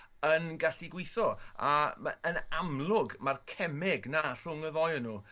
yn gallu gwitho a ma' yn amlwg ma'r cemeg 'na rhwng y ddoi o n'w.